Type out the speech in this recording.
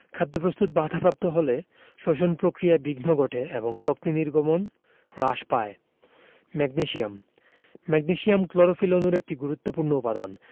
খাদ্যপ্রস্তুত বাধাপ্রাপ্ত হলে শ্বসন প্রক্রিয়ায় বিঘ্ন ঘটে এবং শক্তি নির্গমন হ্রাস পায় ম্যাগনেসিয়াম ম্যাগনেসিয়াম ক্লোরোফিল অণুর একটি গুরুত্বপুর্ণ উপাদান